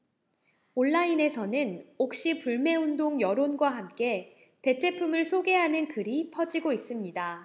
온라인에서는 옥시 불매운동 여론과 함께 대체품을 소개하는 글이 퍼지고 있습니다